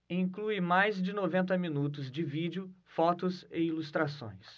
inclui mais de noventa minutos de vídeo fotos e ilustrações